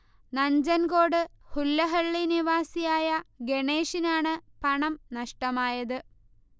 നഞ്ചൻകോട് ഹുല്ലഹള്ളി നിവാസിയായ ഗണേഷിനാണ് പണം നഷ്ടമായത്